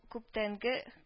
- күптәнге